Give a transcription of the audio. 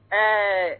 Ɛɛ